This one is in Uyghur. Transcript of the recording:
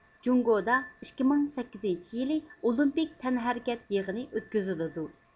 جۇڭگۇدا ئىككى مىڭ سەككىزىنچى يىلى ئولىمپىك تەنھەرىكەت يىغىنى ئۆتكۈزۈلىدۇ